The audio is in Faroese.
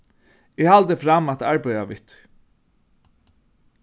eg haldi fram at arbeiða við tí